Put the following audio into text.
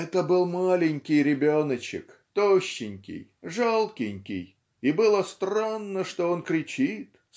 "Это был маленький ребеночек тощенький жалкенький и было странно что он кричит